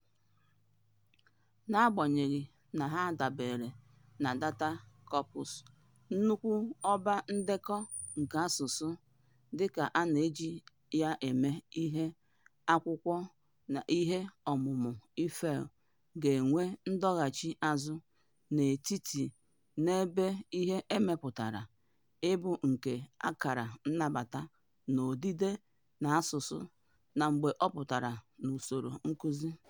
N'agbanyeghị na ha dabere na "data corpus" - nnukwu ọba ndekọ nke asụsụ dịka a na-eji ya eme ihe - akwụkwọ iheọmụmụ EFL ga-enwe ndọghachiazụ n'etiti n'ebe ihe e mepụtara ịbụ nke a kara nabata n'odide na ọsụsụ na mgbe ọ pụtara n'usoro nkuzi.